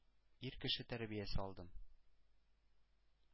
Ир кеше тәрбиясе алдым.